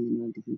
dahabi